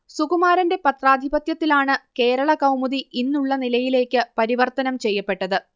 സുകുമാരന്റെ പത്രാധിപത്യത്തിലാണ് കേരളകൗമുദി ഇന്നുള്ള നിലയിലേക്ക് പരിവർത്തനം ചെയ്യപ്പെട്ടത്